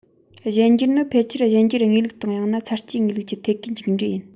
གཞན འགྱུར ནི ཕལ ཆེར གཞན འགྱུར ངེས ལུགས དང ཡང ན འཚར སྐྱེ ངེས ལུགས ཀྱི ཐད ཀའི མཇུག འབྲས ཡིན